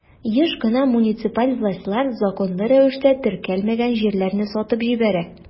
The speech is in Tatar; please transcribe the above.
Еш кына муниципаль властьлар законлы рәвештә теркәлмәгән җирләрне сатып җибәрә.